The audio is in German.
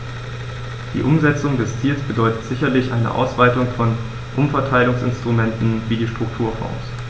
Die Umsetzung dieses Ziels bedeutet sicherlich eine Ausweitung von Umverteilungsinstrumenten wie die Strukturfonds.